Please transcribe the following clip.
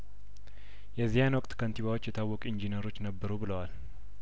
የዚያን ወቅት ከንቲባዎች የታወቁ ኢንጂ ነሮች ነበሩ ብለዋል